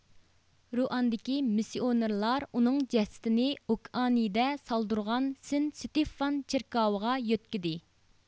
رۇئاندىكى مىسسىئونېرلار ئۇنىڭ جەسىتىنى ئۇكائېندە سالدۇرغان سېن سىتېغغان چېركاۋىغا يۆتكىدى